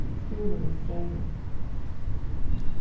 skúlin við streymin